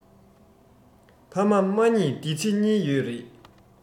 ཕ མ མ མཉེས འདི ཕྱི གཉིས ཡོད རེད